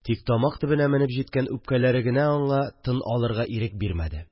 Тик тамак төбенә менеп җиткән үпкәләре генә аңа тын алырга ирек бирмәде